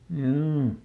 juu